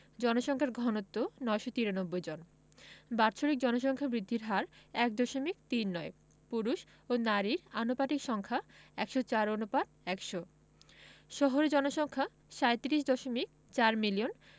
জনসংখ্যার ঘনত্ব ৯৯৩ জন বাৎসরিক জনসংখ্যা বৃদ্ধির হার ১দশমিক তিন নয় পুরুষ ও নারীর আনুপাতিক সংখ্যা ১০৪ অনুপাত ১০০ শহুরে জনসংখ্যা ৩৭দশমিক ৪ মিলিয়ন